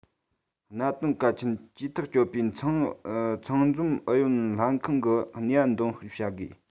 གནད དོན གལ ཆེན ཇུས ཐག གཅོད པའི ཚང འཛོམས ཨུ ཡོན ལྷན ཁང གི ནུས པ འདོན སྤེལ བྱ དགོས